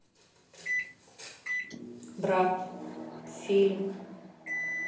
брат фильм